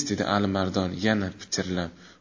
dedi alimardon yana pichirlab